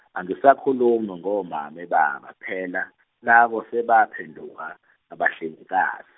angisakhulumi ngomame baba, phela labo sebaphenduka abahlengikazi.